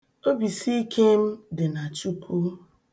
Obisiike m dị na Chukwu.